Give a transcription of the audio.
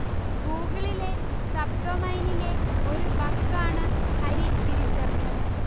ഗൂഗിളിലെ സബ് ഡൊമൈനിലെ ഒരു ബഗ് ആണ് ഹരി തിരിച്ചറിഞ്ഞത്